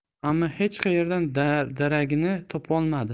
ammo hech qayerdan daragini topolmadi